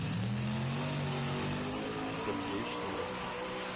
сергей шнуров